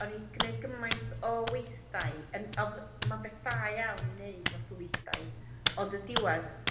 o'n i gwneud gymaint o weithdai yn odd... M'an beth da iawn i neud lot o weithdai, ond yn diwadd